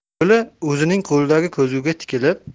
lo'li o'zining qo'lidagi ko'zguga tikilib